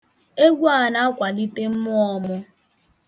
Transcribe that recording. Egwu a na-akwalite mmụọ mụ.